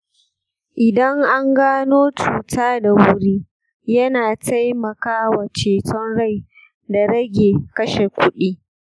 idan an gano cuta da wuri, yana taimakawa ceton rai da rage kashe kuɗi.